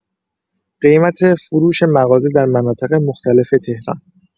قیمت فروش مغازه در مناطق مختلف تهران